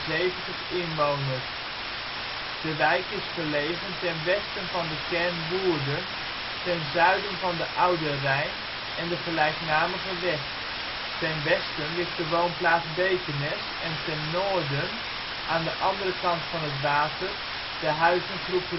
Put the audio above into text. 5670 inwoners (2004). De wijk is gelegen ten westen van de kern Woerden, ten zuiden van de Oude Rijn en de gelijknamige weg. Ten westen ligt de woonplaats Bekenes, en ten noorden, aan de andere kant van het water, de huizengroep